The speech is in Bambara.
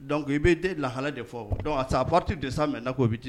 Dɔnkuc i bɛ den laha de fɔ dɔn sa pati de sa mɛn na k'o bɛ di